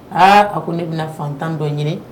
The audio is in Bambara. Aa a ko ne bɛna fantan dɔ ɲini